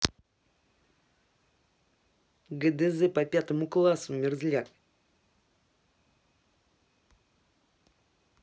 гдз по пятому классу мерзляк